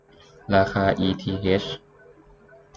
ราคาอีทีเฮช